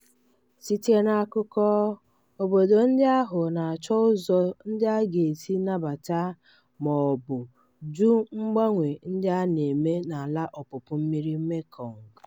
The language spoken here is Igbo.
Site n'akụkọ, obodo ndị ahụ na-achọ ụzọ ndị a ga-esi nabata ma/ma ọ bụ jụ mgbanwe ndị a na-eme n'ala ọpụpụ mmiri Mekong.